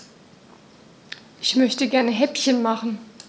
Ich möchte gerne Häppchen machen.